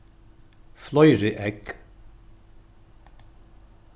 fleiri egg